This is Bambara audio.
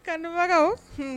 Kabagaw